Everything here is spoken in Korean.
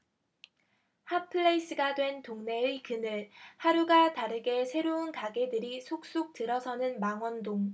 핫 플레이스가 된 동네의 그늘 하루가 다르게 새로운 가게들이 속속 들어서는 망원동